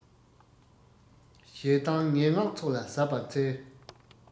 ཞེ སྡང ངན སྔགས ཚོགས ལ གཟབ པར འཚལ